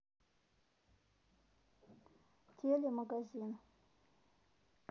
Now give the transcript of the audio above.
телемагазин